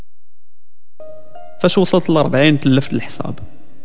بس وصلت الاربعين تلف الحساب